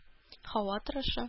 Һава торышы